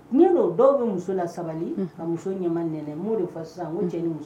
N don dɔw bɛ muso la sabali ka muso ɲɛma nɛnɛ' de fa sisan o cɛ ni muso